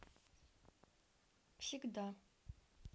всегда